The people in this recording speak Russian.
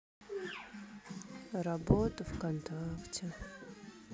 работа вконтакте